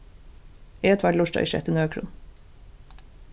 edvard lurtar ikki eftir nøkrum